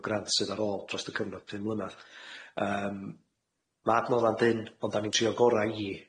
unryw grant sydd ar ôl dros y cyfnod pum mlynadd yym ma' adnodda'n dynn ond 'da ni'n trio'n gora i i